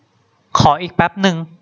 ขออีกแปปนึง